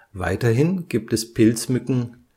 Weiterhin gibt es Pilzmücken